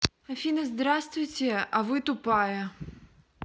афина здравствуйте а вы тупая